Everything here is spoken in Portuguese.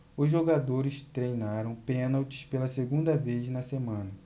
os jogadores treinaram pênaltis pela segunda vez na semana